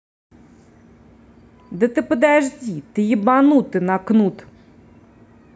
да ты подожди ты ебаный на кнут